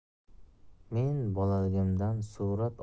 men bolaligimdan surat